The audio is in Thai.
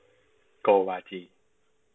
โกวาจี